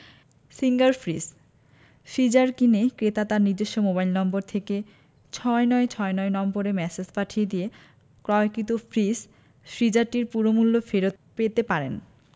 singer fridge freezer কিনে ক্রেতা তার নিজস্ব মোবাইল নম্বর থেকে ৬৯৬৯ নম্বরে ম্যাসেজ পাঠিয়ে দিয়ে ক্রয়কৃত ফ্রিজ ফ্রিজারটির পুরো মূল্য ফেরত পেতে পারেন